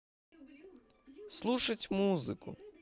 слушать музыку